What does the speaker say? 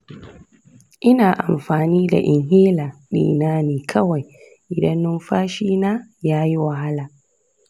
ina amfani da inhaler dina ne kawai idan numfashina ya yi wahala.